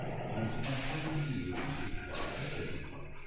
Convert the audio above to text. não se conformam que eles os fatos sejam fatos